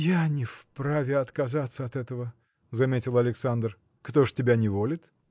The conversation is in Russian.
– Я не вправе отказаться от этого, – заметил Александр. – Кто ж тебя неволит?